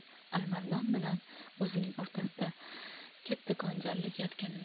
alimardon bilan o'zining o'rtasida kattakon jarlik yotganini